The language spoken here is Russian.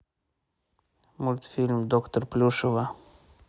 мультфильм доктор плюшева